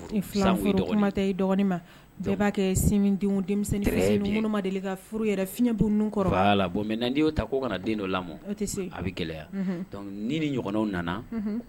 Bɛɛ b'a kɛ sinden deli ka furu fibuun kɔrɔ la mɛ' ta kana den dɔ lamɔ tɛ se a bɛ gɛlɛya ni ni ɲɔgɔnw nana